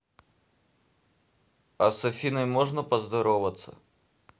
а с афиной можно по поздороваться